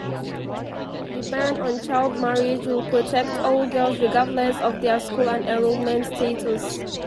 The ban on child marriage will protect all girls, regardless of their school enrollment status.